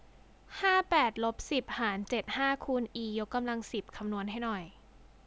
ห้าแปดลบสิบหารเจ็ดห้าคูณอียกกำลังสิบคำนวณให้หน่อย